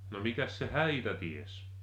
no mikäs se häitä tiesi